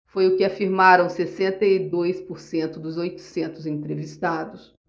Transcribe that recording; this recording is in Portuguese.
foi o que afirmaram sessenta e dois por cento dos oitocentos entrevistados